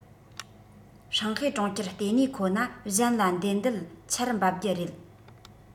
ཧྲང ཧའེ གྲོང ཁྱེར ལྟེ གནས ཁོ ན གཞན ལ འདེད འདེད ཆར འབབ རྒྱུ རེད